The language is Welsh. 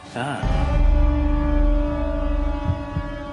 Ah!